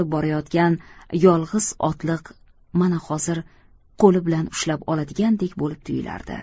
borayotgan yolg'iz otliq mana hozir qo'li bilan ushlab oladigandek bo'lib tuyulardi